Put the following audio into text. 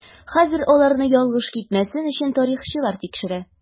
Хәзер аларны ялгыш китмәсен өчен тарихчылар тикшерә.